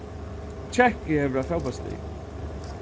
kekkia hevur eitt fótbóltslið